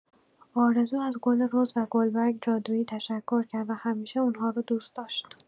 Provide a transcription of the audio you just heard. آرزو از گل رز و گلبرگ جادویی تشکر کرد و همیشه اون‌ها رو دوست داشت.